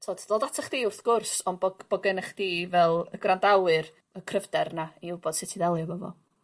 t'od ddod atoch chdi wrth gwrs ond bod bo' gennych chdi fel y gwrandawyr y cryfder 'na i wbod sut i ddelio 'fo fo.